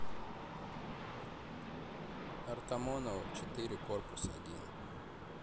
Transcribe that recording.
артамонова четыре корпус один